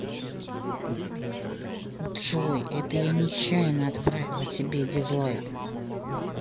джой это я нечаянно отправила тебе дизлайк